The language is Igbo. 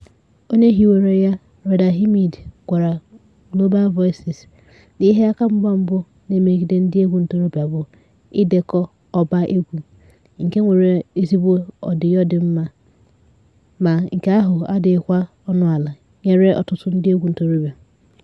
Onye hiwere ya, Reda Hmidi, gwara Global Voices na "ihe akamgba mbụ na-emegide ndịegwu ntorobịa bụ idekọ ọbaegwu nke nwere ezigbo ọdịyo dị mma, ma nke ahụ adịghịkwa ọnụala nyere ọtụtụ ndịegwu ntorobịa."